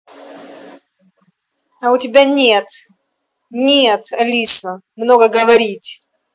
а у тебя нет нет алиса много говорить